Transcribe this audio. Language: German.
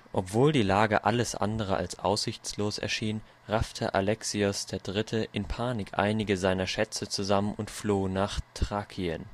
Obwohl die Lage alles andere als aussichtslos erschien, raffte Alexios III. in Panik einige seiner Schätze zusammen und floh nach Thrakien